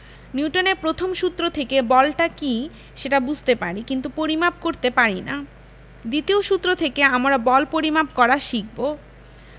নিউটনের প্রথম সূত্র থেকে বলটা কী সেটা বুঝতে পারি কিন্তু পরিমাপ করতে পারি না দ্বিতীয় সূত্র থেকে আমরা বল পরিমাপ করা শিখব